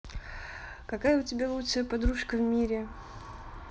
какая у тебя лучшая подружка в мире